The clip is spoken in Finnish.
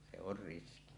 se on riski